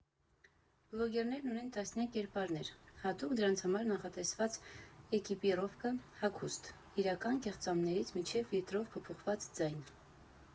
Բլոգերներն ունեն տասնյակ կերպարներ, հատուկ դրանց համար նախատեսված էկիպիրովկա հագուստ՝ իրական կեղծամներից մինչև ֆիլտրով փոփոխված ձայն։